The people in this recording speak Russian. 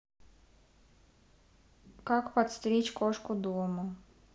как подстричь кошку дома